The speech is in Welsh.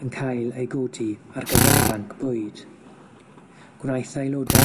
yn cael ei godi ar gyfer y banc bwyd. Gwnaeth aelodau